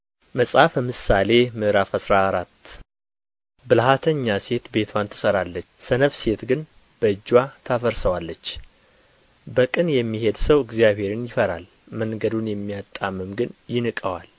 መጽሐፈ ምሳሌ ምዕራፍ አስራ አራት ብልሃተኛ ሴት ቤትዋን ትሠራለች ሰነፍ ሴት ግን በእጅዋ ታፈርሰዋለች በቅን የሚሄድ ሰው እግዚአብሔርን ይፈራል መንገዱን የሚያጣምም ግን ይንቀዋል